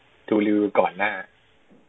ดูรีวิวก่อนหน้า